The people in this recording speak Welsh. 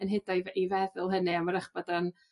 'Yn hudo i f- i feddwl hynny a m- 'w'rach bod o'n